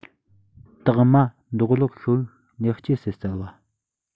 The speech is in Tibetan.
རྟག མ མདོག ལེགས ཤིག ལེགས སྐྱེས སུ སྩལ བ